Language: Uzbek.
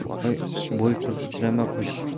bo'y qiz uchirma qush